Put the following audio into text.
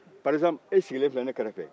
par exemple e sigilen filɛ ne kɛrɛ fɛ